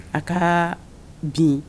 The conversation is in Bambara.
A ka bin